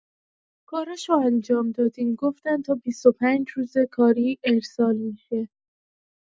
کاراشو انجام دادیم گفتن تا ۲۵ روز کاری ارسال می‌شه!